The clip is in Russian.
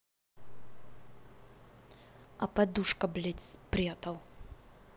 а подушка блядь спрятал